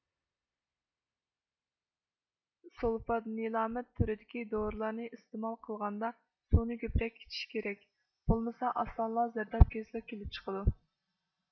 سۇلفادنىلامىد تۈرىدىكى دورىلارنى ئىستىمال قىلغاندا سۇنى كۆپرەك ئىچىش كېرەك بولمىسا ئاسانلا زەرداب كېسىلى كېلىپ چىقىدۇ